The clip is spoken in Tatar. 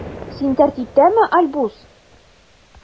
Син тәртиптәме, Альбус?